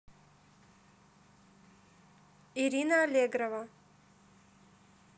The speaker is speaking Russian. ирина аллегрова